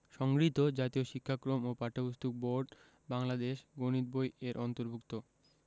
সংগৃহীত জাতীয় শিক্ষাক্রম ও পাঠ্যপুস্তক বোর্ড বাংলাদেশ গণিত বই-এর অন্তর্ভুক্ত